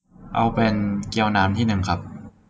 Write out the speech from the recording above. เอาเป็นเกี๊ยวน้ำหนึ่งที่ครับ